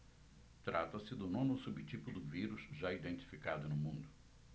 trata-se do nono subtipo do vírus já identificado no mundo